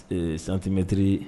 Ee santimɛtiriri